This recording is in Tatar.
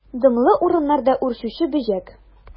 Дымлы урыннарда үрчүче бөҗәк.